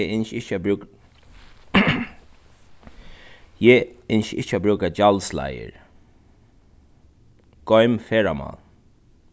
eg ynski eg ynski ikki at brúka gjaldsleiðir goym ferðamál